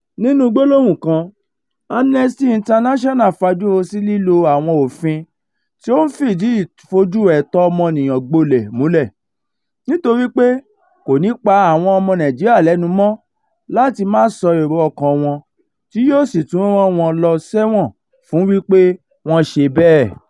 Nínú gbólóhùn kan, Amnesty International fajúro sí lílo "àwọn òfin tí ó ń fìdìí ìfojú ẹ̀tọ́ ọmọnìyàn gbolẹ̀ múlẹ̀ " nítorí pé kò ní pa àwọn ọmọ Nàìjíríà lẹ́nu mọ́ "láti máà sọ èrò ọkàn-an wọn" tí yóò sì tún "rán wọn lọ s'ẹ́wọ̀n fún wípé wọ́n ṣe bẹ́ẹ̀ ".